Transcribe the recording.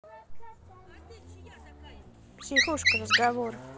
психушка разговоры